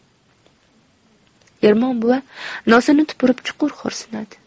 ermon buva nosini tupurib chuqur xo'rsinadi